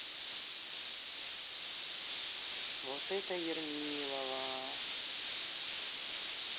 вот это ермилова